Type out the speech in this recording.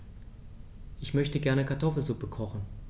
Ich möchte gerne Kartoffelsuppe kochen.